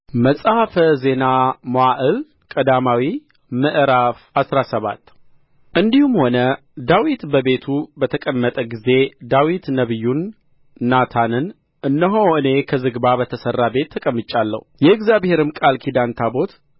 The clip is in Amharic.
መጽሐፈ ዜና መዋዕል ቀዳማዊ ምዕራፍ አስራ ሰባት እንዲህም ሆነ ዳዊት በቤቱ በተቀመጠ ጊዜ ዳዊት ነቢዩን ናታንን እነሆ እኔ ከዝግባ በተሠራ ቤት ተቀምጫለሁ የእግዚአብሔርም ቃል ኪዳን ታቦት